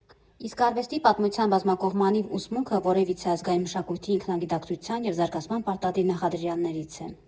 Իսկ արվեստի պատմության բազմակողմանի ուսմունքը որևիցէ ազգային մշակույթի ինքնագիտակցության և զարգացման պարտադիր նախադրյալներից է։